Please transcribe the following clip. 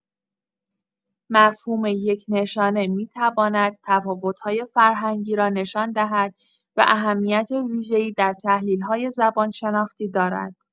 مفهوم یک نشانه می‌تواند تفاوت‌های فرهنگی را نشان دهد و اهمیت ویژه‌ای در تحلیل‌های زبان‌شناختی دارد.